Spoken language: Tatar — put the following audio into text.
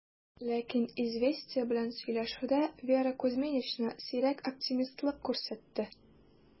Ләкин "Известия" белән сөйләшүдә Вера Кузьминична сирәк оптимистлык күрсәтте: